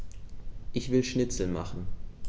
Ich will Schnitzel machen.